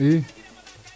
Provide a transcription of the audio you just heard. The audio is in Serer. i